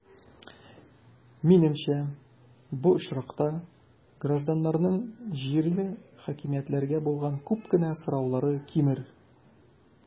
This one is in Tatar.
Минемчә, бу очракта гражданнарның җирле хакимиятләргә булган күп кенә сораулары кимер.